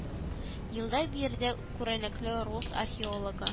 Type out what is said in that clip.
Елда биредә күренекле рус археологы